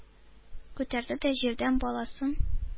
Күтәрде дә җирдән баласын,